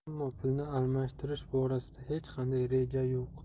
ammo pulni almashtirish borasida hech qanday reja yo'q